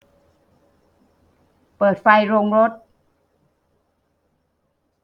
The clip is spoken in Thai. เปิดไฟโรงรถ